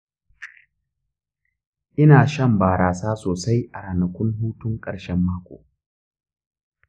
ina shan barasa sosai a ranakun hutun ƙarshen mako